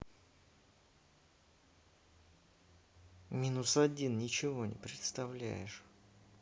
минус один ничего себе представляешь